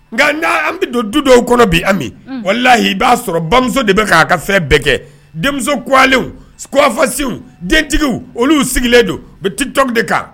Nka n' an bɛ don du dɔw kɔnɔ bi Ami walalahi i b'a sɔrɔ bamuso de bɛ ka'a ka fɛn bɛɛ kɛ denmusonin kuwalen, kuwafasinw dentigiw olu sigilen don u bɛ tck tok de kan!